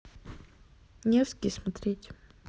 невский смотреть